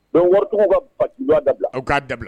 Mɛ wari tɔgɔ ka ba dabila a k' dabila